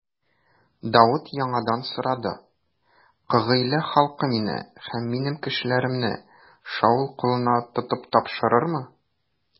Давыт яңадан сорады: Кыгыйлә халкы мине һәм минем кешеләремне Шаул кулына тотып тапшырырмы?